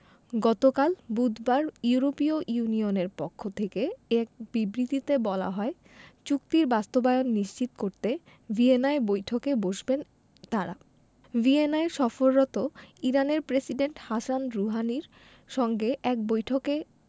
গতকাল বুধবার ইউরোপীয় ইউনিয়নের পক্ষ থেকে এক বিবৃতিতে বলা হয় চুক্তির বাস্তবায়ন নিশ্চিত করতে ভিয়েনায় বৈঠকে বসবেন তাঁরা ভিয়েনায় সফররত ইরানের প্রেসিডেন্ট হাসান রুহানির সঙ্গে এক বৈঠকে